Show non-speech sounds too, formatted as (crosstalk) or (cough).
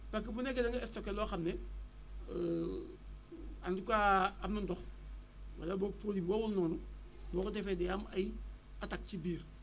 parce que bu nekkee da ngay stocké loo xam ne (hesitation) en tout cas am na ndox wala boog produit bi wowul noonu boo ko defee day am ay attaques ci biir